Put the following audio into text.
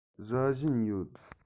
ཟ བཞིན ཡོད